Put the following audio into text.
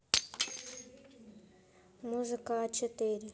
музыка а четыре